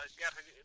ar-ar